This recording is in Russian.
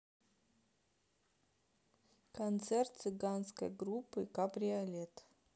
концерт цыганской группы кабриолет